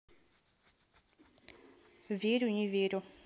верю не верю